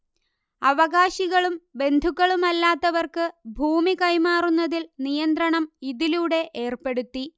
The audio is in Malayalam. അവകാശികളും ബന്ധുക്കളുമല്ലാത്തവർക്ക് ഭൂമി കൈമാറുന്നതിൽ നിയന്ത്രണം ഇതിലൂടെ ഏർപ്പെടുത്തി